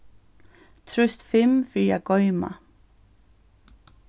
trýst fimm fyri at goyma